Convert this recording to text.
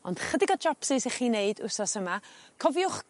ond chydig o jopsys i chi wneud wsos yma cofiwch